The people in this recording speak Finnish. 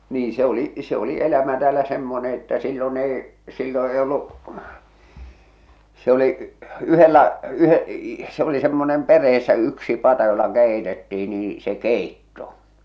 niin se oli se oli elämä täällä semmoinen että silloin ei silloin ei ollut se oli yhdellä - se oli semmoinen perheessä yksi pata jolla keitettiin niin se keitto